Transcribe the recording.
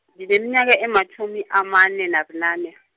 ngineminyaka ematjhumi amane nabunane.